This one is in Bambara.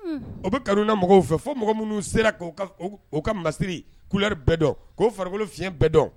O bɛ kauna mɔgɔw fɛ fo mɔgɔ minnu sera k' u ka masiri kuri bɛɛ dɔn k'o farikolo fi bɛɛ dɔn